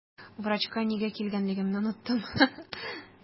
Врачка нигә килгәнлегемне оныттым.